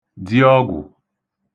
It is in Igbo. diọgwụ̀